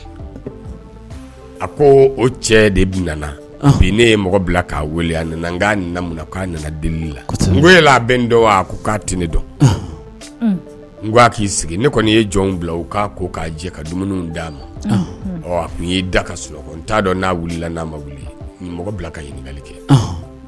A ko o cɛ de nana bi ne ye mɔgɔ bila k'a a n'a k'a nana deli la a bɛ k'a t ne dɔn a k'i sigi ne kɔni ye jɔn bila o' k'a jɛ ka dumuni d'a ma a'i da ka sunɔgɔ t'a dɔn n'a n'a ma wuli mɔgɔ bila ka ɲininka kɛ